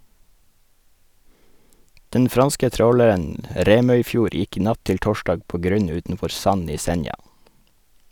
Den franske tråleren «Remøyfjord» gikk natt til torsdag på grunn utenfor Sand i Senja.